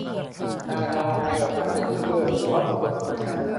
นานาไอออกมาเป็นลิ่มเลือดเพราะเจ็บภายใน